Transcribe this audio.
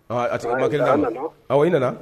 A tigi ma kelen a i nana